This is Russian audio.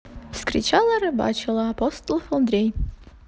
вскричала рыбачила апостол андрей